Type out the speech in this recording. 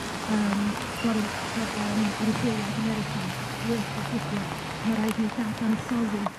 yym sgor- gor- yym oruchwyliaeth America wedi digwydd, ma' raid ni dadansoddi